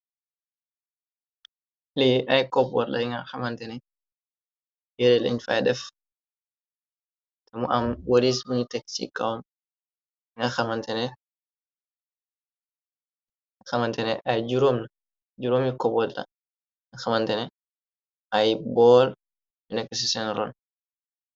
Lii ay koppburt lay nga xamantene yëreela iñ fay def te mu am wëriis bunu tek ci kawm nga xamantene ay juróomyi coburt xamantene ay bool yu nekk ci seen ron.